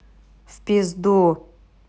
в пизду